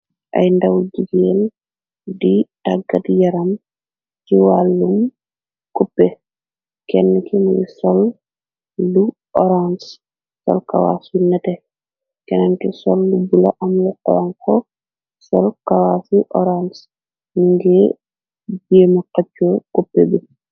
ay ndaw jigeen di tàggat yaram ci wàllum coppe kenn ki muy sol lu orange sol kawas u nete kennn ki sol lu bula amlu xoonxo sol kawasu orange ni ngi jéema xacco coppe bi